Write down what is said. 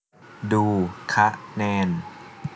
ดูคะแนน